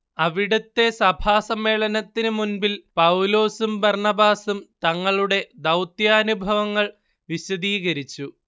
അവിടത്തെ സഭാസമ്മേളനത്തിന് മുൻപിൽ പൗലോസും ബർണ്ണബാസും തങ്ങളുടെ ദൗത്യാനുഭവങ്ങൾ വിശദീകരിച്ചു